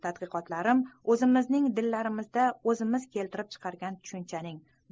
tadqiqotlarim o'zimizning dillarimizda o'zimiz keltirib chiqargan tushunchaning